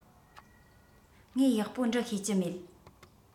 ངས ཡག པོ འབྲི ཤེས ཀྱི མེད